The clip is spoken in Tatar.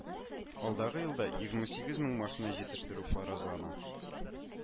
Алдагы елда егерме сигез мең машина җитештерү фаразлана